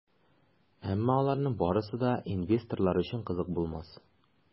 Әмма аларның барысы да инвесторлар өчен кызык булмас.